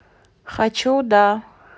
хочу да